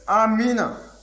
amiina